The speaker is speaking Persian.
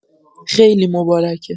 خیلی مبارکه